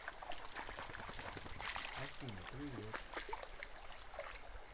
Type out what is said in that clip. афина привет